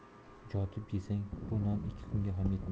jotib jesang bu non ikki kunga ham jetmaydi